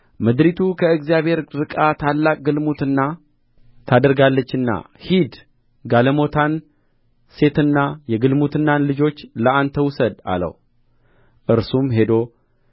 ምድሪቱ ከእግዚአብሔር ርቃ ታላቅ ግልሙትና ታደርጋለችና ሂድ ጋለሞታን ሴትና የግልሙትናን ልጆች ለአንተ ውሰድ አለው እርሱም ሄዶ